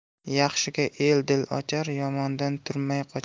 yaxshiga el dil ochar yomondan turmay qochar